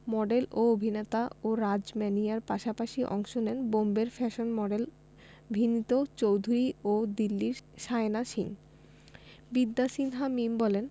model ও অভিনেতা ও রাজ ম্যানিয়ার পাশাপাশি অংশ নেন বোম্বের ফ্যাশন মডেল ভিনিত চৌধুরী ও দিল্লির শায়না সিং বিদ্যা সিনহা মিম বলেন